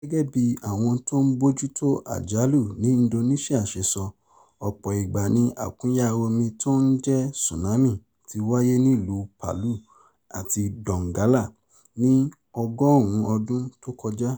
Gẹ́gẹ́ bí Àjọ Tó Ń Bójú Tó Àjálù ní Indonesia ṣe sọ, ọ̀pọ̀ ìgbà ni àkúnya omi tó ń jẹ́ tsunami ti wáyé nílùú Palu àti Donggala ní ọgọ́rùn-ún ọdún tó kọjá.